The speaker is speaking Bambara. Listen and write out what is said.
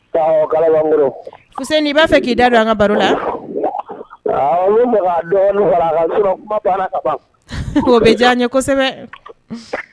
Awɔ, Kalabankɔrɔ; Fuseni, i b'a fɛ k'i da don an ka baro la? Awɔ,n bɛ fɛ ka dɔɔni far'a kan sinon kuma bana ka ban; O bɛ diya n ye kosɛbɛ, un.